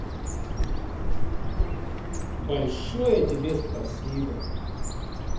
большое тебе спасибо